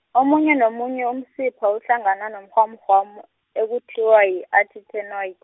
omunye nomunye umsipha uhlangana norwamurwamu, ekuthiwa yi artytenoid.